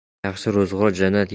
yaxshi ro'zg'or jannat